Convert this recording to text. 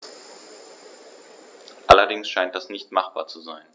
Allerdings scheint das nicht machbar zu sein.